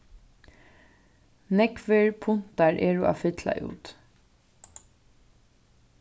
nógvir puntar eru at fylla út